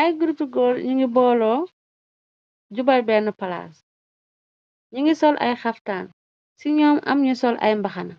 Ay grupe gór ñi ngi booloo jubal benn palaas ñi ngi sol ay xaftaan ci ñoom am ñi sol ay mbaxana